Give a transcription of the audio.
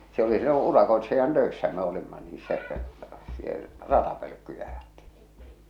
se oli silloin urakoitsijan töissä me olimme niin se - ratapölkkyjä ajettiin